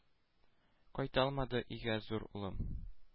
Кайталмады өйгә зур улым,